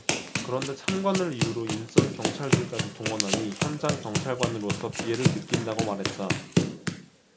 그런데 참관을 이유로 일선 경찰들까지 동원하니 현장 경찰관으로서 비애를 느낀다고 말했다